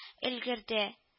Өлгерде